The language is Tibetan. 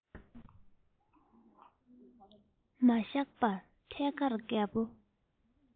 མ བཞག པར ཐད ཀར རྒད པོ